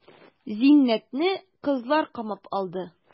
Зиннәтне кызлар камап алды.